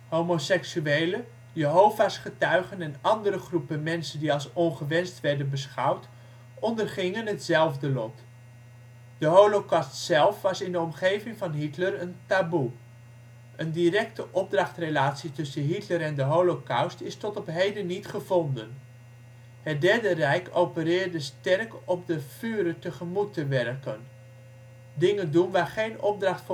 homoseksuelen, Jehova 's getuigen en andere groepen mensen die als ongewenst werden beschouwd ondergingen hetzelfde lot. De Holocaust zelf was in de omgeving van Hitler een taboe. Een directe opdrachtrelatie tussen Hitler en de Holocaust is tot op heden niet gevonden. Het Derde Rijk opereerde sterk op het ' de Führer tegemoet werken ': dingen doen waar geen opdracht